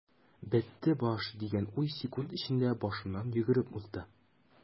"бетте баш” дигән уй секунд эчендә башыннан йөгереп узды.